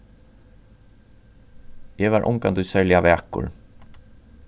eg var ongantíð serliga vakur